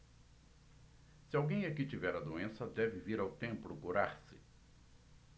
se alguém aqui tiver a doença deve vir ao templo curar-se